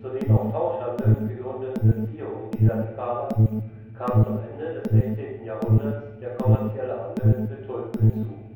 den auf Tauschhandel gegründeten Beziehungen dieser Liebhaber kam zum Ende des 16. Jahrhunderts der kommerzielle Handel mit Tulpen hinzu